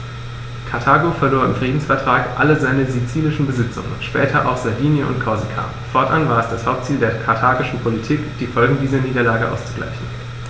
Karthago verlor im Friedensvertrag alle seine sizilischen Besitzungen (später auch Sardinien und Korsika); fortan war es das Hauptziel der karthagischen Politik, die Folgen dieser Niederlage auszugleichen.